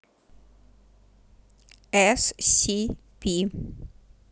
scp